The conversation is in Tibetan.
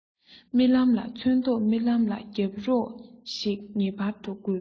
རྨི ལམ ལ ཚོན མདོག རྨི ལམ ལ རྒྱབ རོགས ཤིག ངེས པར དུ དགོས པས